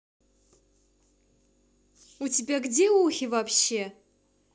у тебя где ухи вообще